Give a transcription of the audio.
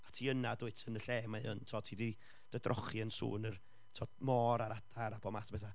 a ti yna, dwyt, yn y lle mae o'n, tibod ti wedi dy drochi yn sŵn yr tibod môr a'r adar, a bob math o betha.